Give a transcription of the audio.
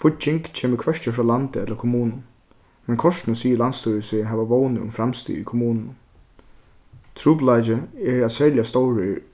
fígging kemur hvørki frá landi ella kommunum men kortini sigur landsstýrið seg hava vónir um framstig í kommununum trupulleiki er at serliga stórur